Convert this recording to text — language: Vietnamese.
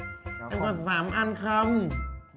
thế có dám ăn không